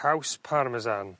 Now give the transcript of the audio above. Caws parmesan.